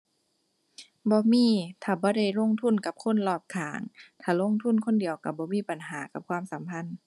บ่มี ถ้าบ่ได้ลงทุนกับคนรอบข้าง ถ้าลงทุนคนเดียวก็บ่มีปัญหากับความสัมพันธ์